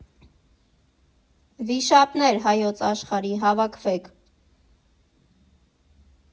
Վիշապներ Հայոց աշխարհի, հավաքվե՛ք։